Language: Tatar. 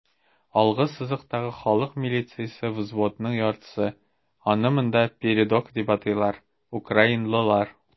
Алгы сызыктагы халык милициясе взводының яртысы (аны монда "передок" дип атыйлар) - украиналылар.